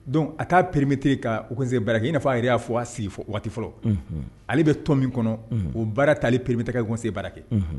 Donc a t'a permete ka haut conseil baara kɛ, i n'a fɔ a yɛrɛ y'a fɔ a sigi wagati fɔlɔ, unhun. Ale bɛ tɔn min kɔnɔ, o baara tɛ ale permete k'a bɛ haut conseil baara kɛ.